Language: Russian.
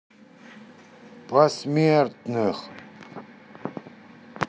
посмертных